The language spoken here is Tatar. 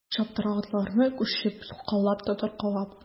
Чаптыра атларны кучер суккалап та тарткалап.